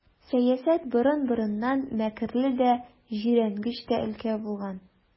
Сәясәт борын-борыннан мәкерле дә, җирәнгеч тә өлкә булган.